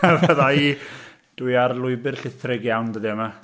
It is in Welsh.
Fydda i... dwi ar lwybr llithrig iawn dyddiau 'ma.